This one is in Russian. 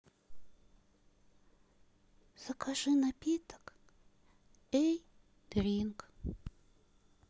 закажи напиток эй дринк